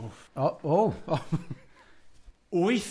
O, o, o, wyth…